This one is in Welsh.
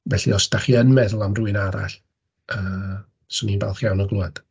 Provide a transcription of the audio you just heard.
Felly os dach chi yn meddwl am rywun arall yy, 'swn i'n falch iawn o glywad.